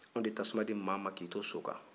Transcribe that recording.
an tɛ tasuma di maa ma k'i to so kan